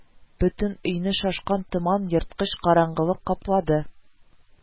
Бөтен өйне шашкан томан, ерткыч караңгылык каплады